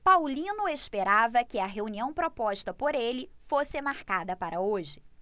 paulino esperava que a reunião proposta por ele fosse marcada para hoje